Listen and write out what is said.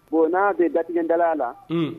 Bon n'a bɛ datigɛdala la, un